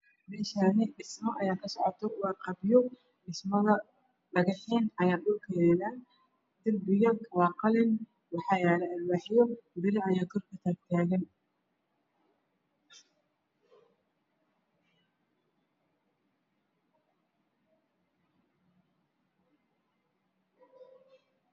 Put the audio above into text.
Meeshaan dhismo ayaa kasocdo waana qabyo dhagax ayaa dhulka yaalo. Darbiga waa qalin, waxaa yaalo alwaax biro ayaa kor kataagtaagan.